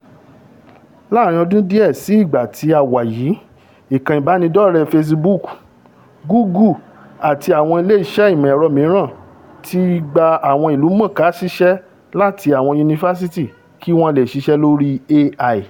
Láàárín ọdún díẹ̀ sí ìgbà tí a wà yìí Facebook, Google àti àwọn ilé iṣẹ́ ìmọ̀-ẹ̀rọ mìíràn ti gba àwọn ìlúmọ̀ọ́ká ṣiṣẹ́ láti àwọn yunifásitì kí wọ́n leè ṣiṣẹ́ lórí AI.